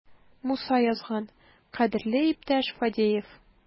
Муса язган: "Кадерле иптәш Фадеев!"